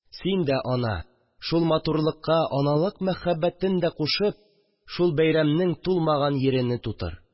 Син дә, ана, шул матурлыкка аналык мәхәббәтен дә кушып, шул бәйрәмнең тулмаган йирене тутыр